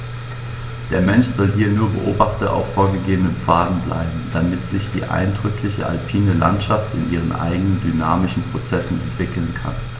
Der Mensch soll hier nur Beobachter auf vorgegebenen Pfaden bleiben, damit sich die eindrückliche alpine Landschaft in ihren eigenen dynamischen Prozessen entwickeln kann.